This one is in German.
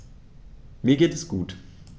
Mir geht es gut.